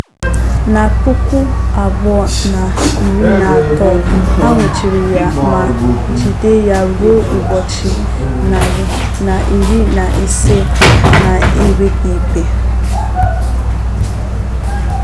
Na 2013, a nwụchiri ya ma jide ya ruo ụbọchị 115 na-enweghị ikpe.